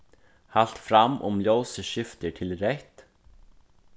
halt fram um ljósið skiftir til reytt